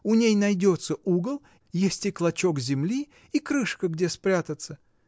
У ней найдется угол, есть и клочок земли, и крышка, где спрятаться!